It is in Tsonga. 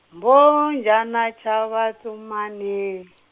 Mbhojana chava tsumani.